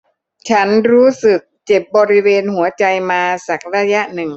ฉันรู้สึกเจ็บบริเวณหัวใจมาสักระยะหนึ่ง